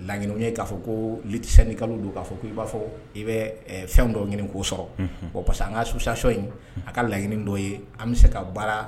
Laɲiniw ye k'a fɔ ko luttes sndicales don k'a fɔ ko i b'a fɔ i bɛ fɛn dɔw ɲini k'o sɔrɔ, unhun, parce que an ka association in, a ka laɲini dɔ ye an bɛ se ka baara.